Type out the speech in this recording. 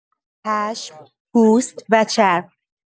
پشم، پوست و چرم